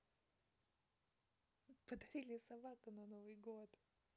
подарили собаку на новый год